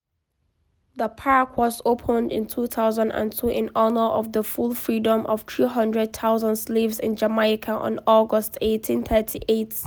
The park was opened in 2002 in honour of the "full freedom" of 300,000 slaves in Jamaica on August 1, 1838.